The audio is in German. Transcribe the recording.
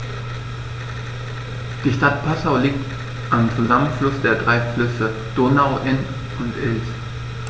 Die Stadt Passau liegt am Zusammenfluss der drei Flüsse Donau, Inn und Ilz.